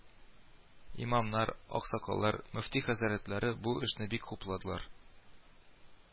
Имамнар, аксакаллар, мөфти хәзрәтләре бу эшне бик хупладылар